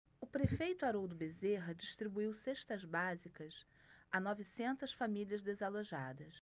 o prefeito haroldo bezerra distribuiu cestas básicas a novecentas famílias desalojadas